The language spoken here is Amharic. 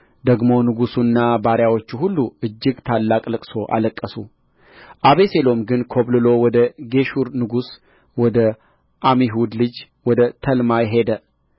ደግሞ ንጉሡና ባሪያዎቹ ሁሉ እጅግ ታላቅ ልቅሶ አለቀሱ አቤሴሎም ግን ኰብልሎ ወደ ጌሹር ንጉሥ ወደ ዓሚሁድ ልጅ ወደ ተልማይ ሄደ